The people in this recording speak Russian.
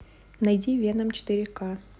найди веном четыре ка